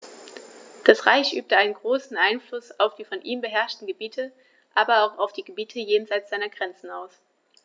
Das Reich übte einen großen Einfluss auf die von ihm beherrschten Gebiete, aber auch auf die Gebiete jenseits seiner Grenzen aus.